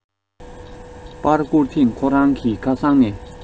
པར བསྐུར ཐེངས ཁོ རང གི ཁ སང ནས